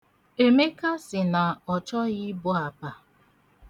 Emeka sị na ọchọghị ibu apa.